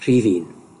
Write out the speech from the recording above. Rhif un.